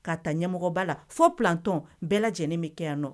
K'a taa ɲɛmɔgɔba la fo planton bɛɛ lajɛlen bɛ kɛ yan nɔ